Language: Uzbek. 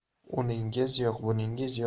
uningiz yo'q buningiz